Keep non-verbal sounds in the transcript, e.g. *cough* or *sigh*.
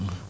*hesitation* *hesitation*